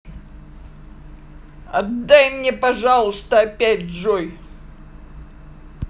отдай мне пожалуйста опять джой